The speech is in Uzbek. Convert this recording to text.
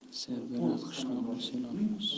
serdaraxt qishloqni sel olmas